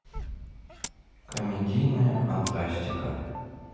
комедийная фантастика